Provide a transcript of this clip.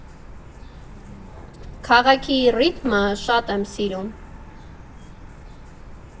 Քաղաքի ռիթմը շատ եմ սիրում։